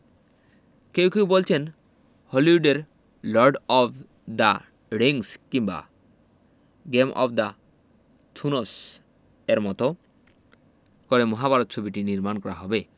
কেউ কেউ বলছেন হলিউডের লর্ড অব দ্য রিংস কিংবা গেম অব দ্য থোনস এর মতো করে মহাভারত ছবিটি নির্মাণ করা হবে